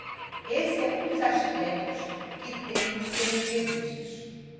esse é um dos aspectos que têm que ser revistos